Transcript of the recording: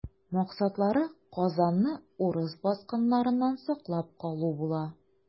Максатлары Казанны урыс баскыннарыннан саклап калу була.